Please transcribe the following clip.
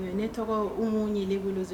Ne tɔgɔ Umu Niyelen bolozo